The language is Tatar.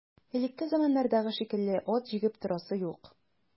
Элекке заманнардагы шикелле ат җигеп торасы юк.